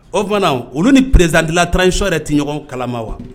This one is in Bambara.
O tuma olu ni prezdilatrasicɔ yɛrɛ tɛ ɲɔgɔn kalama wa